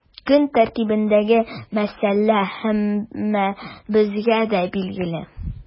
Көн тәртибендәге мәсьәлә һәммәбезгә дә билгеле.